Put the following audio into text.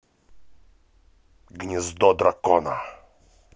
гнездо дракона